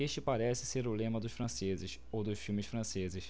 este parece ser o lema dos franceses ou dos filmes franceses